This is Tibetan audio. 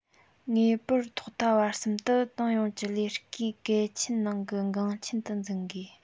ངེས པར ཐོག མཐའ བར གསུམ དུ ཏང ཡོངས ཀྱི ལས ཀའི གལ ཆེན ནང གི འགངས ཆེན དུ འཛིན དགོས